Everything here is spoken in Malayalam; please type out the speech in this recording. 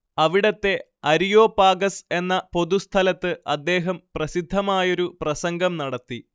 അവിടത്തെ അരിയോപാഗസ് എന്ന പൊതുസ്ഥലത്ത് അദ്ദേഹം പ്രസിദ്ധമായൊരു പ്രസംഗം നടത്തി